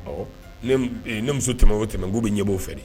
Awɔ, ne muso tɛmɛ o tɛmɛ k'u bɛ ɲɛ b'o fɛ de!